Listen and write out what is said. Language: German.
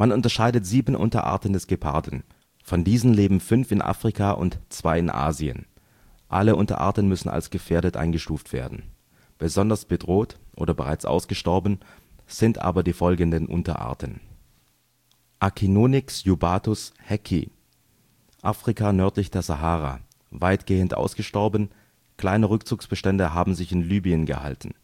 unterscheidet sieben Unterarten des Geparden; von diesen leben fünf in Afrika und zwei in Asien. Alle Unterarten müssen als gefährdet eingestuft werden; besonders bedroht (oder bereits ausgestorben) aber sind die folgenden Unterarten: A. j. hecki: Afrika nördlich der Sahara; weitgehend ausgestorben, kleine Rückzugsbestände haben sich in Libyen gehalten